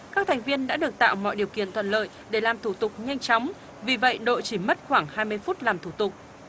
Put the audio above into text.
các thành viên đã được tạo mọi điều kiện thuận lợi để làm thủ tục nhanh chóng vì vậy đội chỉ mất khoảng hai mươi phút làm thủ tục